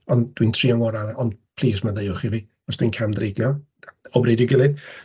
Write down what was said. Ond dwi'n trio ngorau, ond plis maddeuwch i fi os dwi'n camdreiglo o bryd i'w gilydd.